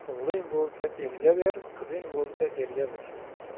o'g'ling bo'lsa elga ber qizing bo'lsa erga ber